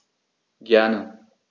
Gerne.